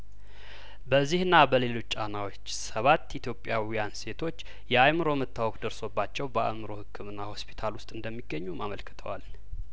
በዚህና በሌሎች ጫናዎች ሰባት ኢትዮጵያውያን ሴቶች የአይምሮ መታወክ ደርሶባቸው በአእምሮ ህክምና ሆስፒታል ውስጥ እንደሚገኙም አመልክተዋል